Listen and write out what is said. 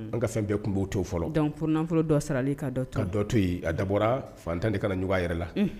An ka fɛn bɛɛ tun bɛ to fɔlɔ, donc furu nafolo dɔ sarali ka dɔ a dabɔra fantan de kana ɲɔgɔn a yɛrɛ la